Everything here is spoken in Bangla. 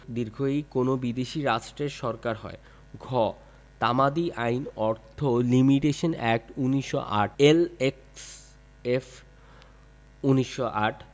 ঈ কোন বিদেশী রাষ্ট্রের সরকার হয় ঘ তামাদি আইন অর্থ limitation act ১৯০৮ L X of ১৯০৮